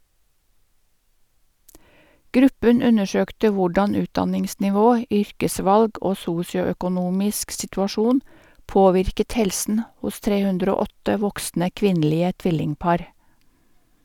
Gruppen undersøkte hvordan utdanningsnivå, yrkesvalg og sosioøkonomisk situasjon påvirket helsen hos 308 voksne kvinnelige tvillingpar.